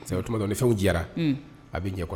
Sɛ o tuma ni fɛnw jɛra a bɛ jɛkɔ